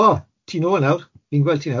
O ti nôl nawr, fi'n gweld ti nawr.